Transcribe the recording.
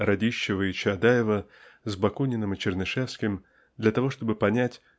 Радищева и Чаадаева с Бакуниным и Чернышевским для того чтобы понять